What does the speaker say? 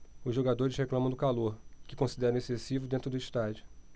os jogadores reclamam do calor que consideram excessivo dentro do estádio